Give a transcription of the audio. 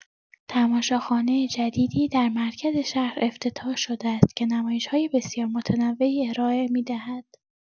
تماشاخانه جدیدی در مرکز شهر افتتاح شده است که نمایش‌های بسیار متنوعی ارائه می‌دهد.